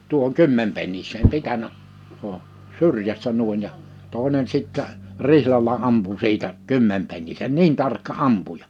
tuohon kymmenpenniseen pitänyt on syrjästä niin ja toinen sitten rihlalla ampui siitä kymmenpennisen niin tarkka ampuja